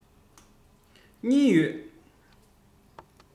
གཉིས ཡོད